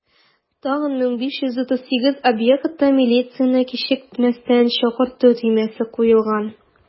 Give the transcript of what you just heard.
Тагын 1538 объектта милицияне кичекмәстән чакырту төймәсе куелган.